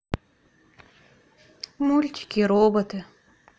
мультики роботы